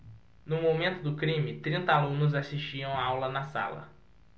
no momento do crime trinta alunos assistiam aula na sala